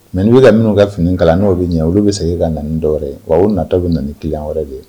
Mɛ bɛ ka minnu ka fini kalan n'o bɛ ɲɛ olu bɛ segin ka na dɔwɛrɛ wa natɔ bɛ na kelen wɛrɛ de